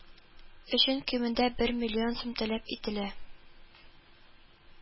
Өчен кимендә бер миллион сум таләп ителә